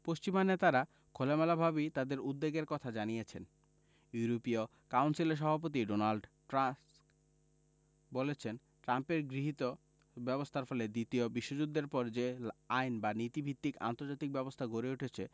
পশ্চিমা নেতারা খোলামেলাভাবেই তাঁদের উদ্বেগের কথা জানিয়েছেন ইউরোপীয় কাউন্সিলের সভাপতি ডোনাল্ড টাস্ক বলেছেন ট্রাম্পের গৃহীত ব্যবস্থার ফলে দ্বিতীয় বিশ্বযুদ্ধের পর যে আইন ও নীতিভিত্তিক আন্তর্জাতিক ব্যবস্থা গড়ে উঠেছে